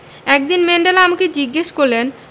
একদিন ম্যান্ডেলা আমাকে জিজ্ঞেস করলেন